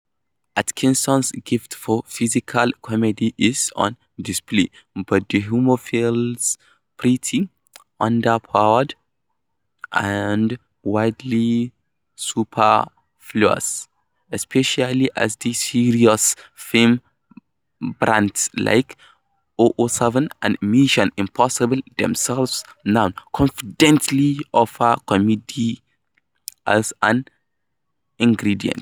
Atkinson's gift for physical comedy is on display, but the humor feels pretty underpowered and weirdly superfluous, especially as the "serious" film brands like 007 and Mission Impossible themselves now confidently offer comedy as an ingredient.